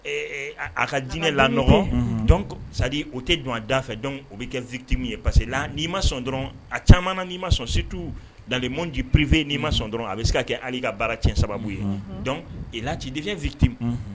A ka jinɛinɛ la nɔgɔ dɔn o tɛ j da fɛ dɔn o bɛ kɛ fitumu ye parce que la ni i ma sɔn dɔrɔn a caman nii ma sɔn situ damuji pripfe nii ma sɔn dɔrɔn a bɛ se ka kɛ ali ka baara cɛ sababu ye dɔn i la' de fit